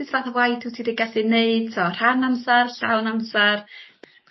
sut fath o waith wt ti 'di gallu neud so rhan amsar llawn amsar?